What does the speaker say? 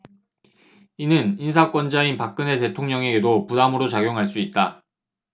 이는 인사권자인 박근혜 대통령에게도 부담으로 작용할 수 있다